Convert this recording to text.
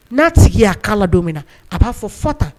N'a sigi y'a kala la don min na a b'a fɔ fɔ tan